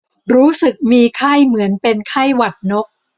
รู้สึกมีไข้เหมือนเป็นไข้หวัดนก